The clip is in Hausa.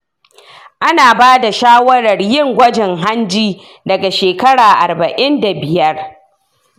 ana ba da shawarar yin gwajin hanji daga shekara arba'in da biyar.